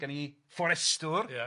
gan 'i fforestwr... Ia...